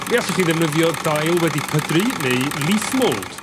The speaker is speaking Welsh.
Mi allwch chi ddefnyddio dail wedi pydru neu leaf mould